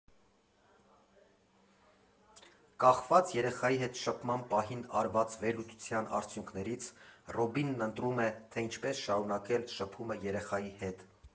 Կախված երեխայի հետ շփման պահին արված վերլուծության արդյունքներից՝ Ռոբինն ընտրում է, թե ինչպես շարունակել շփումը երեխայի հետ։